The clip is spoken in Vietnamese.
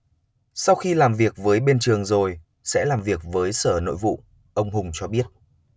sau khi làm việc với bên trường rồi sẽ làm việc với sở nội vụ ông hùng cho biết